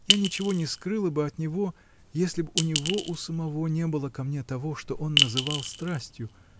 Я ничего не скрыла бы от него, если б у него у самого не было ко мне того, что он называет страстью.